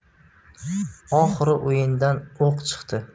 oxiri o'yindan o'q chiqdi